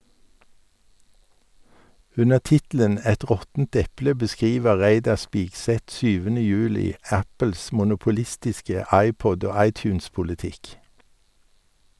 Under tittelen "Et råttent eple" beskriver Reidar Spigseth 7. juli Apples monopolistiske iPod- og iTunes-politikk.